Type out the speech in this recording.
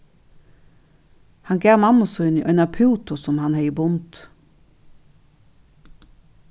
hann gav mammu síni eina pútu sum hann hevði bundið